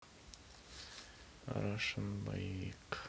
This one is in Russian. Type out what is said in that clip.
рашн боевик